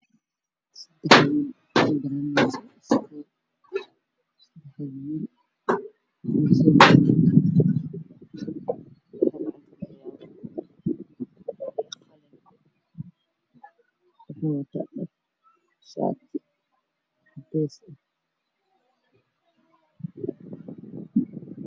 Waa iskuul waxaa fadhiya saddex wiil waxay wataan shaatiyaal caddaan waxa ay ka shaqeynayaan imtixaan